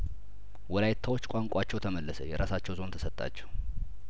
ወላይታዎች ቋንቋቸው ተመለሰ የራሳቸው ዞን ተሰጣቸው